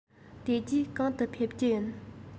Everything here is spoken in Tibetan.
དེ རྗེས གང དུ ཕེབས རྒྱུ ཡིན